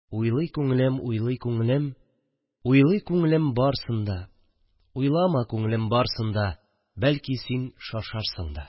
Уйлый күңелем, уйлый күңелем, Уйлый күңелем барсын да, Уйласаң, күңелем, барсын да – Бәлки син шашарсың да.